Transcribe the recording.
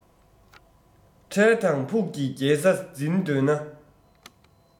འཕྲལ དང ཕུགས ཀྱི རྒྱལ ས འཛིན འདོད ན